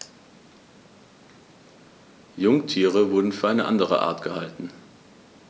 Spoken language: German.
Jungtiere wurden für eine andere Art gehalten.